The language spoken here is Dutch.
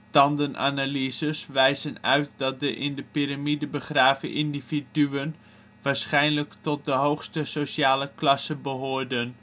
Tandanalyses wijzen uit dat de, in de piramide begraven, individuen waarschijnlijk tot de hoogste sociale klasse